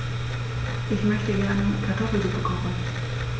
Ich möchte gerne Kartoffelsuppe kochen.